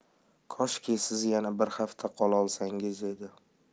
koshki siz yana bir hafta qolaolsangiz edi